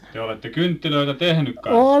te olette kynttilöitä tehnyt kanssa